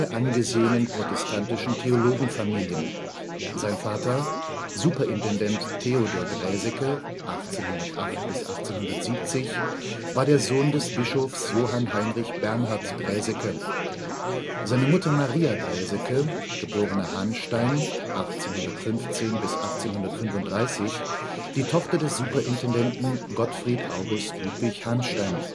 angesehenen protestantischen Theologenfamilien: Sein Vater, Superintendent Theodor Draeseke (1808 - 1870), war der Sohn des Bischofs Johann Heinrich Bernhard Dräseke, seine Mutter Maria Draeseke geb. Hanstein (1815 - 1835) die Tochter des Superintendenten Gottfried August Ludwig Hanstein